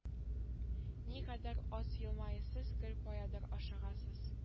Нигәдер аз елмаясыз гел каядыр ашыгасыз